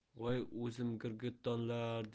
voy o'zim girgittonlar